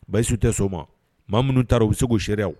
Bayisu tɛ sɔn o ma. Maa minnu taara u bi se ko sereya wo.